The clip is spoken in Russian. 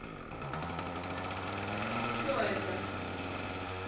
кто это